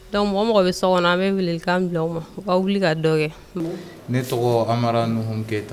Dɔnku mɔgɔ mɔgɔ bɛ so kɔnɔ an bɛ wele kan bila aw ma u ka wuli k ka dɔ kɛ ne tɔgɔ an mara numu ke tan